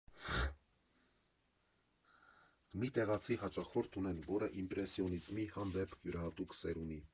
Մի տեղացի հաճախորդ ունեն, որը իմպրեսիոնիզմի հանդեպ յուրահատուկ սեր ունի։